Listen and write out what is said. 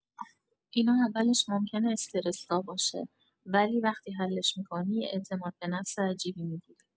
اینا اولش ممکنه استرس‌زا باشه، ولی وقتی حلش می‌کنی، یه اعتمادبه‌نفس عجیب می‌گیری.